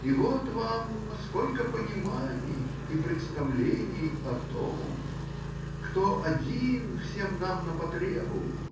И вот вам сколько пониманий и представлений о том, кто один всем нам на потребу!